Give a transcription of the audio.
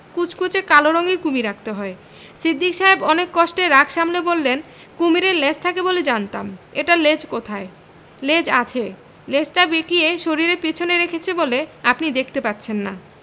কুচকুচে কালো রঙের কুমীর আঁকতে হয় সিদ্দিক সাহেব অনেক কষ্টে রাগ সামলে বললেন কুমীরের লেজ থাকে বলে জানতাম এটার লেজ কোথায় লেজ আছে লেজটা বেঁকিয়ে শরীরের পিছনে রেখেছে বলে আপনি দেখতে পাচ্ছেন না